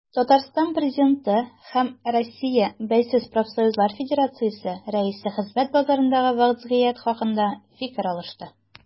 Татарстан Президенты һәм Россия Бәйсез профсоюзлар федерациясе рәисе хезмәт базарындагы вәзгыять хакында фикер алышты.